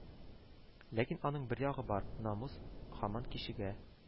Ләкин аның бер ягы бар: «Намус» һаман кичегә